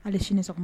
Hali sini sɔgɔma